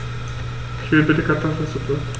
Ich will bitte Kartoffelsuppe.